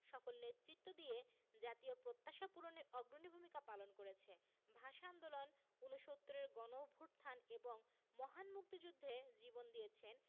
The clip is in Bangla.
সফল নেতৃত্ব দিয়ে জাতীয় প্রত্যাশা পূরণে অগ্রণী ভূমিকা পালন করেছে ভাষা আন্দোলন উনসত্তুরের গণঅভ্যুত্থান এবং মহান মুক্তিযুদ্ধে জীবন দিয়েছেন